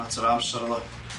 matar o amser o'dd o.